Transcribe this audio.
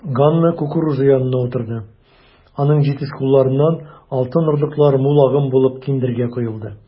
Ганна кукуруза янына утырды, аның җитез кулларыннан алтын орлыклар мул агым булып киндергә коелды.